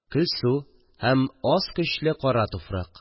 Көлсу һәм аз көчле кара туфрак